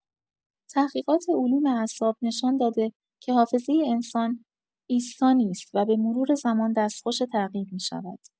تحقیقات علوم اعصاب نشان داده که حافظۀ انسان ایستا نیست و به‌مرور زمان دستخوش تغییر می‌شود.